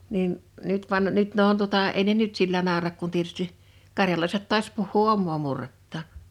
niin nyt vaan nyt ne on tuota ei ne nyt sillä naura kun tietysti karjalaiset taas puhuu omaa murrettaan